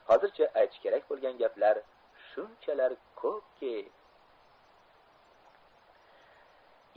hozircha aytish kerak bo'lgan gaplar shunchalar ko'pki